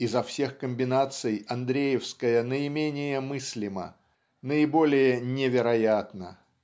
Изо всех комбинаций андреевская наименее мыслима, наиболее невероятна